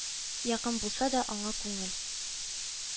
Якын булса да аңа күңел